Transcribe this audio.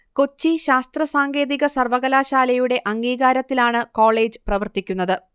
കൊച്ചി ശാസ്ത്ര സാങ്കേതിക സർവ്വകലാശാലയുടെ അംഗീകാരത്തിലാണു് കോളേജ് പ്രവർത്തിക്കുന്നതു